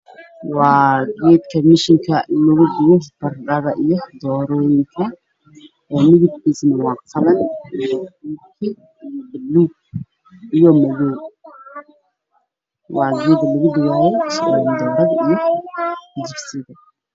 Waa geedka mishiinka lugu dubo baradhada iyo doorada midabkiisu waa qalin iyo buluug, madow, waa kan lugu dubo baradhada iyo jibsiga.